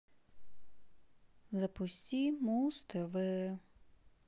запусти муз тв